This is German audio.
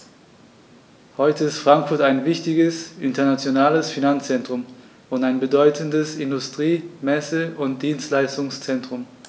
Heute ist Frankfurt ein wichtiges, internationales Finanzzentrum und ein bedeutendes Industrie-, Messe- und Dienstleistungszentrum.